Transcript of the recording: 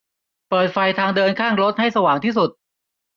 เปิดไฟทางเดินข้างรถให้สว่างที่สุด